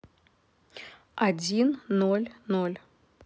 один ноль ноль